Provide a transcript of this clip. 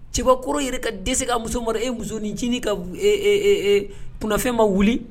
Cikorow yɛrɛ ka dɛsɛse ka muso mara e muso nicinin ka kunfɛn ma wuli